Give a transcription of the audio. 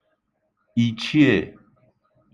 ìchiè